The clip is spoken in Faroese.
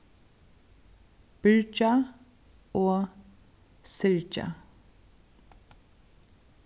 byrgja og syrgja